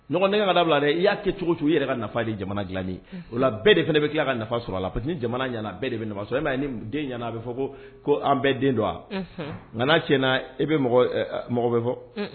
Nɔgɔnin ka dabila dɛ i y'a kɛ cogo i yɛrɛ ka nafali jamana dila o bɛɛ de fana bɛ k' ka nafa sɔrɔla parce ni jamana de bɛ nafa sɔrɔ nin den ɲɛnaana a bɛ fɔ ko ko an bɛɛ den don wa nka n'a ti na e bɛ mɔgɔ bɛ fɔ